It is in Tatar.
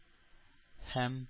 Һәм